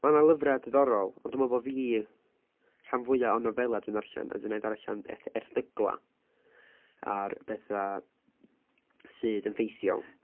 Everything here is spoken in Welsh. Ma' 'na lyfrau diddorol ond dwi'n meddwl bo' fi rhan fwya o'r nofelau dwi'n ddarllen as in wna i ddarllen erthy- erthyglau ar bethau sydd yn ffeithiol.